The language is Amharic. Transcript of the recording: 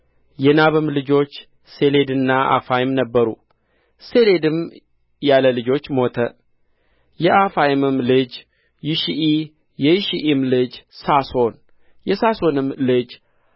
የናዳብም ልጆች ሴሊድና አፋይም ነበሩ ሴሌድም ያለ ልጆች ሞተ የአፋይምም ልጅ ይሽዒ የይሽዒም ልጅ ሶሳን የሶሳንም ልጅ